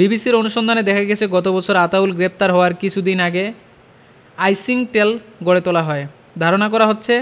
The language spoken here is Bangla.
বিবিসির অনুসন্ধানে দেখা গেছে গত বছর আতাউল গ্রেপ্তার হওয়ার কিছুদিন আগে আইসিংকটেল গড়ে তোলা হয় ধারণা করা হচ্ছে